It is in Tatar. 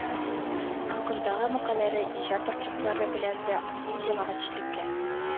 Хакындагы мәкаләләре, иҗат портретлары белән дә киң җәмәгатьчелеккә